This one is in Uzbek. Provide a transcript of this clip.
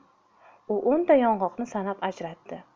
u o'nta yong'oqni sanab ajratdi